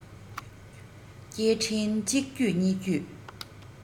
སྐད འཕྲིན གཅིག བརྒྱུད གཉིས བརྒྱུད